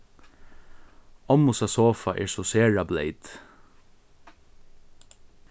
ommusa sofa er so sera bleyt